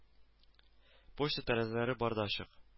Почта тәрәзәләре бар да ачык